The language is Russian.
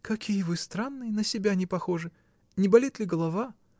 — Какие вы странные: на себя не похожи! Не болит ли голова?